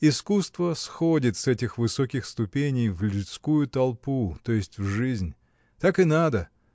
Искусство сходит с этих высоких ступеней в людскую толпу, то есть в жизнь. Так и надо!